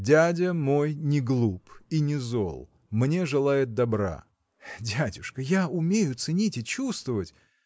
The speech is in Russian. Дядя мой не глуп и не зол, мне желает добра. – Дядюшка! я умею ценить и чувствовать.